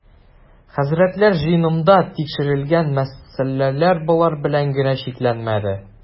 Хәзрәтләр җыенында тикшерел-гән мәсьәләләр болар белән генә чикләнмәде.